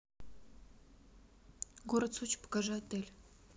город сочи покажи отель